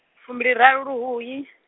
fumbiliraru luhuhi.